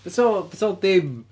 Be ti feddwl be ti feddwl dim?